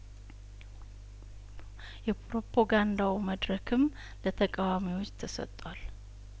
የፕሮፖጋንዳ መድረክም ለተቃዋሚዎች ተሰጧል